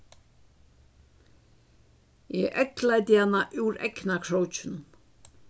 eg eygleiddi hana úr eygnakrókinum